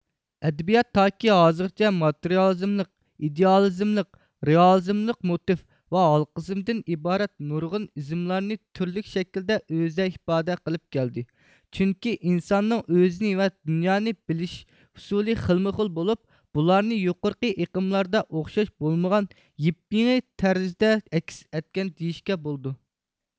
ئەدەبىيات تاكى ھازىرغىچە ماتېرىيالىزملىق ئىدېئالىزملىق رېئالىزملىق موتىف ۋە ھالقىمىزمدىن ئىبارەت نۇرغۇن ئىزملارنى تۈرلۈك شەكىلدە ئۆزىدە ئىپادە قىلىپ كەلدى چۈنكى ئىنساننىڭ ئۆزىنى ۋە دۇنيانى بىلىش ئۇسۇلى خىلمۇخىل بولۇپ بۇلارنى يۇقىرىقى ئېقىملاردا ئوخشاش بولمىغان يېپيېڭى تەرىزدە ئەكس ئەتكەن دېيىشكە بولىدۇ